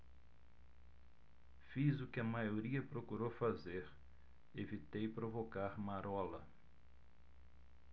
fiz o que a maioria procurou fazer evitei provocar marola